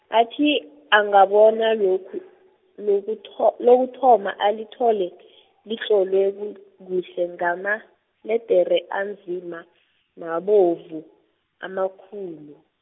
athi angabona lokhu, lokutho- lokuthoma alithole, litlolwe ku kuhle ngamaledere anzima, nabovu amakhulu.